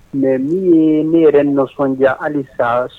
Mais min ye ne yɛrɛ ninsɔndiya hali sa